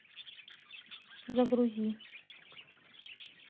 загрузи